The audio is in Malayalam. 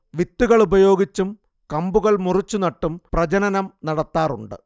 വിത്തുകളുപയോഗിച്ചും കമ്പുകൾ മുറിച്ചു നട്ടും പ്രജനനം നടത്താറുണ്ട്